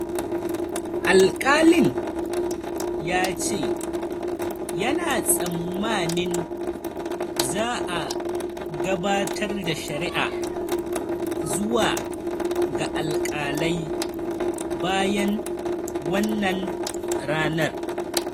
Alkalin ya ce yana tsammanin za a gabatar da shari'a zuwa ga alkalai bayan wannan ranar.